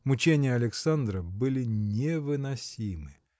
Мучения Александра были невыносимы.